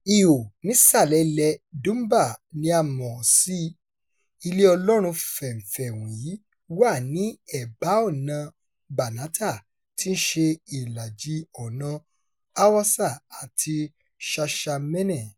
Ihò nísàlẹ̀ ilẹ̀ẹ Dunbar ni a mọ̀ ọ́ sí, ilé Ọlọ́run fẹ̀nfẹ̀ wọ̀nyí wà ní ẹ̀bá ọ̀nàa Banatah tí í ṣe ìlàjì ọ̀nàa Hawassa àti Shashamene.